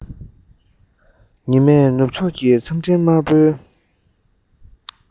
ཉི མས ནུབ ཕྱོགས ཀྱི མཚམས སྤྲིན དམར པོའི